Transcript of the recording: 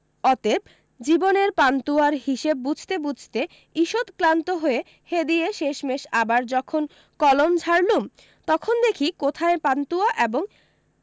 অতেব জীবনের পান্তুয়ার হিসেব বুঝতে বুঝতে ঈষত ক্লান্ত হয়ে হেদিয়ে শেষমেষ আবার যখন কলম ঝাড়লুম তখন দেখি কোথায় পান্তুয়া এবং